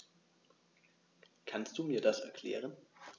Kannst du mir das erklären?